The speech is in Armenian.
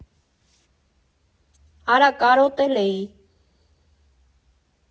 Արա կարոտե՜լ էի։